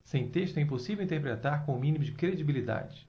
sem texto é impossível interpretar com o mínimo de credibilidade